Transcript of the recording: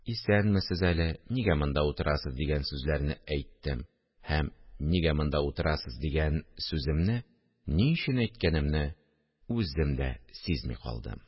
– исәнмесез әле, нигә монда утырасыз? – дигән сүзләрне әйттем һәм «нигә монда утырасыз» дигән сүземне ни өчен әйткәнемне үзем дә сизми калдым